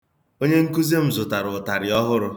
Onyenkụzi m zụtara ụtarị ọhụrụ.